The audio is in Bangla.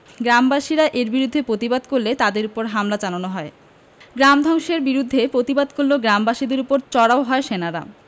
গ্রামবাসীরা এর বিরুদ্ধে পতিবাদ করলে তাদের ওপর হামলা চালানো হয় গ্রাম ধ্বংসের বিরুদ্ধে পতিবাদ করলে গ্রামবাসীদের ওপর চড়াও হয় সেনারা